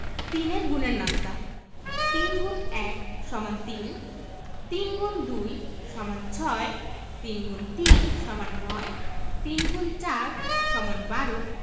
৩ এর গুণের নামতা ৩ X ১ = ৩ ৩ X ২ = ৬ ৩ × ৩ = ৯ ৩ X ৪ = ১২